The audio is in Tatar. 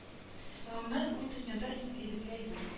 Гомумән уй дөньяда иң ирекле әйбер